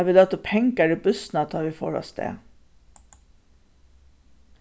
at vit løgdu pengar í bússuna tá ið vit fóru avstað